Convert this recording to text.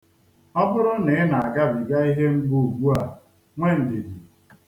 Ọ bụrụ na ị na-agabiga ihe mgbu ugbua, nwe ndidi.